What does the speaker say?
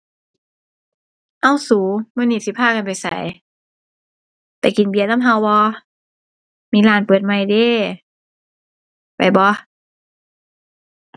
เอ้าสู มื้อนี้สิพากันไปไส ไปกินเบียร์นำเราบ่ มีร้านเปิดใหม่เดะ ไปบ่